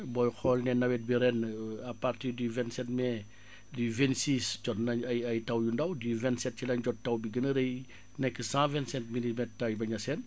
booy xool ne nawet bi ren à partir du vingt sept mai du vingt six jot nañ ay ay taw yu ndaw du vingt sept ci la ñu jot taw bi gën a rëy nekk cent vingt sept milimètres Taïba Niassène